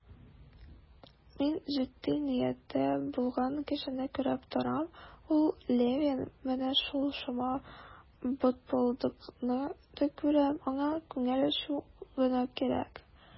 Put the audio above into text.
Мин җитди нияте булган кешене күреп торам, ул Левин; менә шул шома бытбылдыкны да күрәм, аңа күңел ачу гына кирәк.